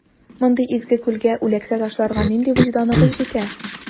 Мондый изге күлгә үләксә ташларга ничек вөҗданыгыз җитә?